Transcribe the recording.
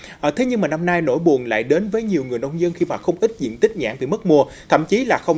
ở thế nhưng năm nay nỗi buồn lại đến với nhiều người nông dân khi mà không ít diện tích nhãn bị mất mùa thậm chí là không